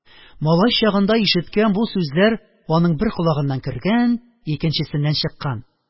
Малай чагында ишеткән бу сүзләр аның бер колагыннан кергән, икенчесеннән чыккан.